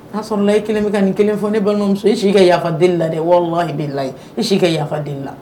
N'a sɔrɔla e kelen bɛ ka nin kelen fɔ ne balimamuso e si ka yafa deli la de wa i' la i si ka yafa den la